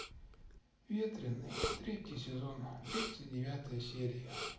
ветреный третий сезон тридцать девятая серия